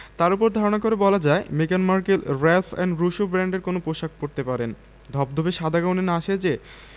তার ওপর ধারণা করে বলা যায় মেগান Markle Ralph and Russo ব্র্যান্ডের কোনো পোশাক পরতে পারেন ধবধবে সাদা গাউনে না সেজে